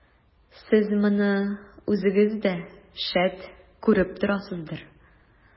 Сез моны үзегез дә, шәт, күреп торасыздыр.